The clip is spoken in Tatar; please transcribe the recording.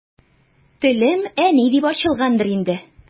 Телем «әни» дип ачылгангадыр инде.